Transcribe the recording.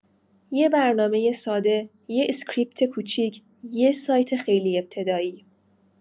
یه برنامه ساده، یه اسکریپت کوچیک، یه سایت خیلی ابتدایی.